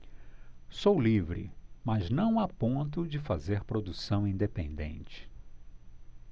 sou livre mas não a ponto de fazer produção independente